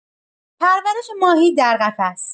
پرورش ماهی در قفس